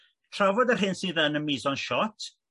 trafod yr hen sydd yn y mise-en-shot